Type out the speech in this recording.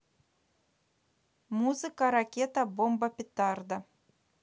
музыка ракета бомба петарда